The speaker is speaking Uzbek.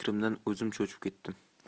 fikrimdan o'zim cho'chib ketdim